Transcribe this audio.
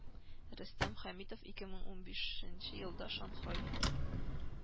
Рөстәм Хәмитов ике мең унбишенче елда Шанхай